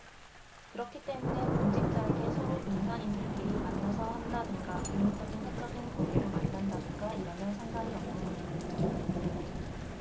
그렇기 때문에 공직자에게 서로 민간인들끼리 만나서 한다든가 개인적인 사적인 관계로 만난다든가 이러면 상관이 없는 거죠